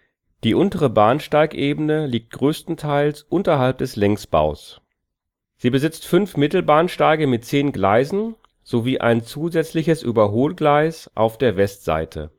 Die untere Bahnsteigebene liegt größtenteils unterhalb des Längsbaus. Sie besitzt fünf Mittelbahnsteige mit zehn Gleisen sowie ein zusätzliches Überholgleis auf der Westseite